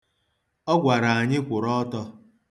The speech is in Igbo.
Ọ gwara anyị kwụrụ ọtọ.